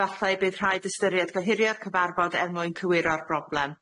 Efallai bydd rhaid ystyried gohirio'r cyfarfod er mwyn cywiro'r broblem.